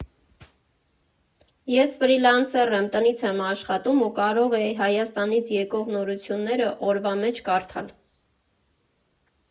Ես ֆրիլանսեր եմ, տնից եմ աշխատում ու կարող էի Հայաստանից եկող նորությունները օրվա մեջ կարդալ։